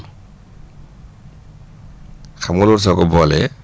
xam nga loolu soo ko boolee